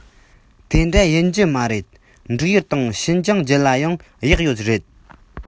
དེ འདྲ ཡིན གྱི མ རེད འབྲུག ཡུལ དང ཤིན ཅང རྒྱུད ལ ཡང གཡག ཡོད རེད